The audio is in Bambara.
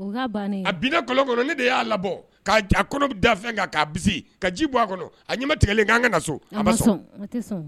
A bin kolonkolon de y'a la' bɛ da ka ji bɔ a kɔnɔ a ɲuman tigɛ ka so